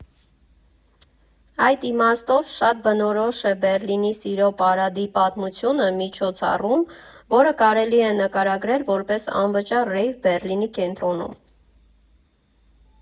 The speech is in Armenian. Այդ իմաստով, շատ բնորոշ է Բեռլինի Սիրո պարադի պատմությունը՝ միջոցառում, որը կարելի նկարագրել որպես անվճար ռեյվ Բեռլինի կենտրոնում։